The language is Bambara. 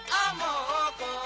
Karamɔgɔ mɔgɔ